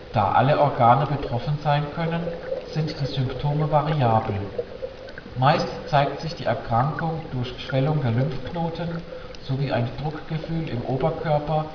Da alle Organe betroffen sein können, sind die Symptome variabel. Meist zeigt sich die Erkrankung durch Schwellung der Lymphknoten sowie ein Druckgefühl im Oberkörper